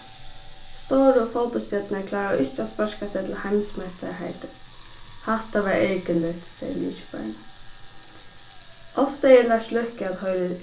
stóru fótbóltsstjørnurnar kláraðu ikki at sparka seg til heimsmeistaraheitið hatta var ergiligt segði liðskiparin ofta er lars løkke at hoyra í